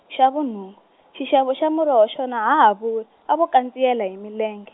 xa vu nhungu, xixevo xa muroho xona a ha ha vuri a vo kandziyela hi milenge.